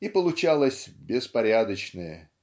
и получалось "беспорядочное